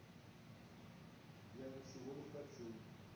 я ничто не хочу